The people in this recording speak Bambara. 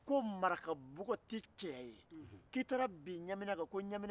ee ko e bɛ a fɛ ina ko k'ale bɛ a fɛ